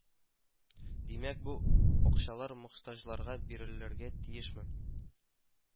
Димәк бу акчалар мохтаҗларга бирелергә тиешме